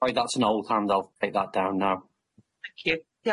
Sorry That's an old hand. I'll take that down now. Thank you. Diolch.